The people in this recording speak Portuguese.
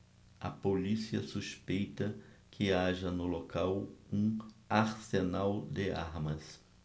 a polícia suspeita que haja no local um arsenal de armas